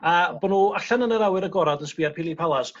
a bo' n'w allan yn yr awyr agorad yn sbïo ar pily palas